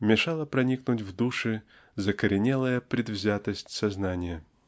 мешала проникнуть в души закоренелая предвзятость сознания.